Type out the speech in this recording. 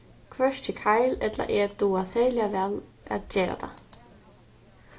hvørki karl ella eg duga serliga væl at gera tað